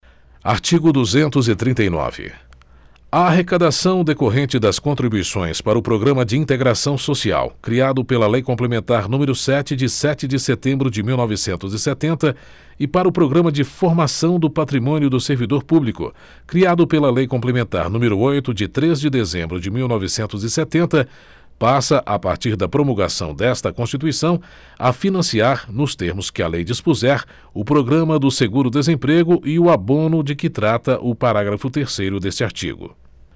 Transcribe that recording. artigo duzentos e trinta e nove a arrecadação decorrente das contribuições para o programa de integração social criado pela lei complementar número sete de sete de setembro de mil novecentos e setenta e para o programa de formação do patrimônio do servidor público criado pela lei complementar número oito de três de dezembro de mil novecentos e setenta passa a partir da promulgação desta constituição a financiar nos termos que a lei dispuser o programa do seguro desemprego e o abono de que trata o parágrafo terceiro deste artigo